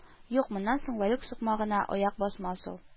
Юк, моннан соң Вәлүк сукмагына аяк басмас ул